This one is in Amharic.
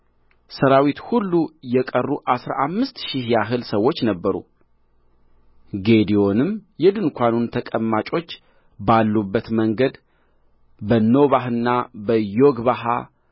ሠራዊት ሁሉ የቀሩ አሥራ አምስት ሺህ ያህል ሰዎች ነበሩ ጌዴዎንም የድንኳን ተቀማጮች ባሉበት መንገድ በኖባህና በዮግብሃ